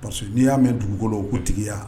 Parce que n'i y'a mɛn dugukolo ko tigiya